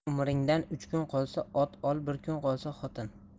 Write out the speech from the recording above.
umringdan uch kun qolsa ot ol bir kun qolsa xotin